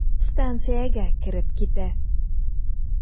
Станциягә кереп китә.